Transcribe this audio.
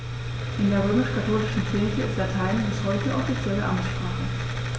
In der römisch-katholischen Kirche ist Latein bis heute offizielle Amtssprache.